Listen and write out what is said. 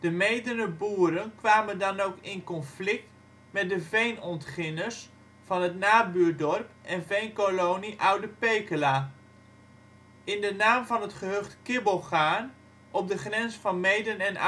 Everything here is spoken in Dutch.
Meedener boeren kwamen dan ook in conflict met de veenontginners van het nabuurdorp en veenkolonie Oude Pekela. In de naam van het gehucht Kibbelgaarn, op de grens van Meeden en